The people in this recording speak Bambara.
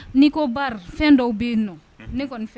N'i ko bar fɛn dɔw bɛ yen nɔ ne kɔni fɛ